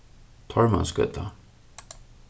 tormansgøta